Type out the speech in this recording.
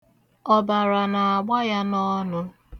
Ọbara na-agba ya ọnụ.